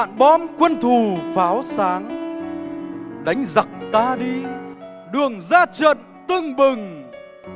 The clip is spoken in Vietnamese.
đạn bom quân thù pháo sáng đánh giặc ta đi đường ra trận tưng bừng